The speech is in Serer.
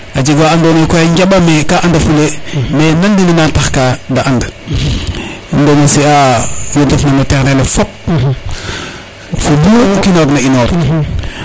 a jega wa ando naye koy a njaɓa ka ando fule mais nanene na tax ka de and remercier a we ndef na no terrain le fop fo mu kina waag na inoor